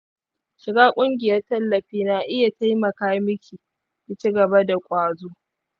shiga ƙungiyar tallafi na iya taimaka miki ki ci gaba da ƙwazo.